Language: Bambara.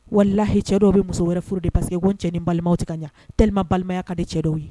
Walihi cɛ dɔw bɛ muso wɛrɛ furu de pa que ko n cɛ ni balimaw tɛ ka ɲɛ t balimaya ka de cɛ dɔw ye